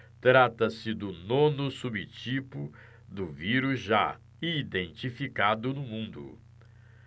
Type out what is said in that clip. trata-se do nono subtipo do vírus já identificado no mundo